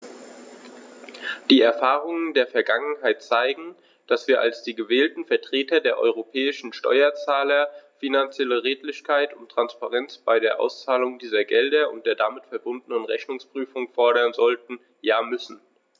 Die Erfahrungen der Vergangenheit zeigen, dass wir als die gewählten Vertreter der europäischen Steuerzahler finanzielle Redlichkeit und Transparenz bei der Auszahlung dieser Gelder und der damit verbundenen Rechnungsprüfung fordern sollten, ja müssen.